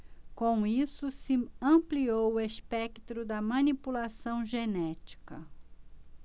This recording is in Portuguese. com isso se ampliou o espectro da manipulação genética